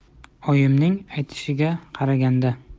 oyimning aytishiga qaraganda